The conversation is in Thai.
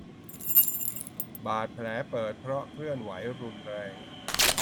บาดแผลเปิดเพราะเคลื่อนไหวรุนแรง